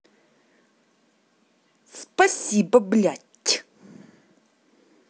спасибо блять